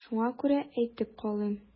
Шуңа күрә әйтеп калыйм.